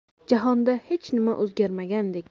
jahonda hech nima o'zgarmagandek